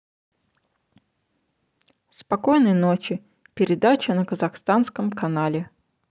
спокойной ночи передача на казахстанском канале